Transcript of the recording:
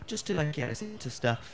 Just to like get us into stuff.